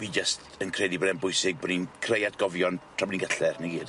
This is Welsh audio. Fi jyst yn credu bod e'n bwysig bo' ni'n creu atgofion tra bo' ni'n gyllar, ni gyd.